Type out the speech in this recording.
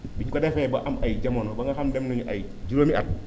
biñ ko defee ba am ay jamono ba nga xam dem nañu ay juróomi at